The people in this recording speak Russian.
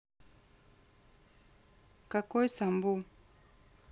какой самбу